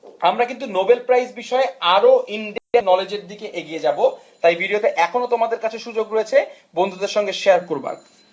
আমরা কিন্তু Nobel Prize বিষয়ে আরো নলেজ এর দিকে এগিয়ে যাব তাই ভিডিওটা এখনো তোমাদের কাছে সুযোগ রয়েছে বন্ধুদের সঙ্গে শেয়ার করবার